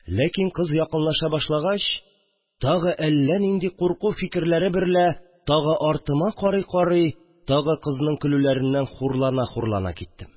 Ләкин кыз якынлаша башлагач, тагы әллә нинди курку фикерләре берлә, тагы артыма карый-карый, тагы кызның көлүләреннән хурлана-хурлана киттем